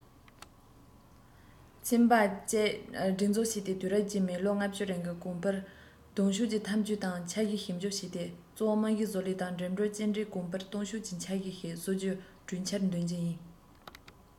སླད ཕྱིན ལོ བཅུ གཅིག དང ཕྱེད ཀའི ནང བློ ཡིད ཅུང ཚིམ པའི དཔལ འབྱོར གོང འཕེལ འགྲོ བའི མྱུར ཚད ཞིག བཙོན ལེན བྱེད དགོས དང